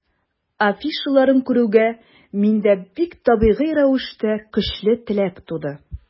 Афишаларын күрүгә, миндә бик табигый рәвештә көчле теләк туды.